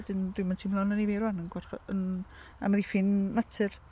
Wedyn, dwi'm yn teimlo'n annifyr 'ŵan yn gwarcho- yn amddiffyn natur.